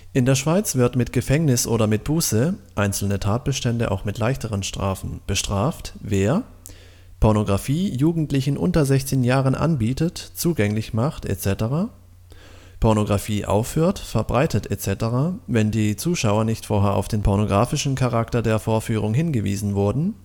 In der Schweiz wird mit Gefängnis oder mit Buße (einzelne Tatbestände auch mit leichteren Strafen) bestraft, wer: Pornografie Jugendlichen unter 16 Jahren anbietet, zugänglich macht etc., Pornografie aufführt, verbreitet etc., wenn die Zuschauer nicht vorher auf den pornografischen Charakter der Vorführung hingewiesen wurden